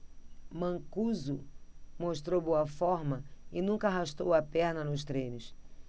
mancuso mostrou boa forma e nunca arrastou a perna nos treinos